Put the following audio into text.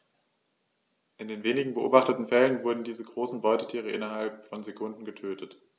In den wenigen beobachteten Fällen wurden diese großen Beutetiere innerhalb von Sekunden getötet.